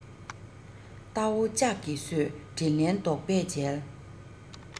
རྟ བོ ལྕགས གིས གསོས དྲིན ལན རྡོག པས འཇལ